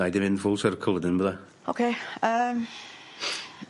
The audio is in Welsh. mae 'di mynd full circle wedyn bydde? Oce yym